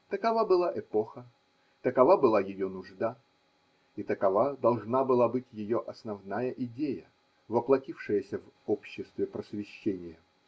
Такова была эпоха, такова была ее нужда, и такова должна была быть ее основная идея, воплотившаяся в обществе просвещения.